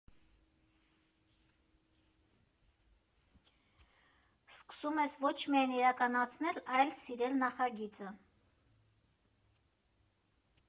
Սկսում ես ոչ միայն իրականացնել, այլև սիրել նախագիծը։